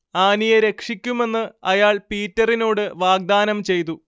ആനിയെ രക്ഷിക്കുമെന്ന് അയാൾ പീറ്ററിനോട് വാഗ്ദാനം ചെയ്തു